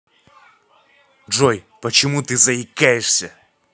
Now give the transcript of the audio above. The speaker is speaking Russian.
джой почему ты заикаешься